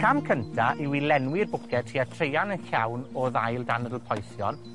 cam cynta yw i lenwi'r bwced tua treian yn llawn o ddail Danadl Poethion,